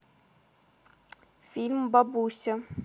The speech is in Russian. фильм бабуся